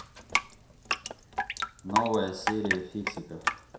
новая серия фиксиков